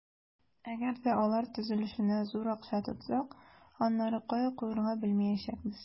Әгәр дә алар төзелешенә зур акча тотсак, аннары кая куярга белмәячәкбез.